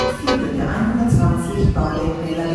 viele der 120 Baudenkmäler